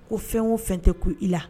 Ko fɛn o fɛn tɛ ku i la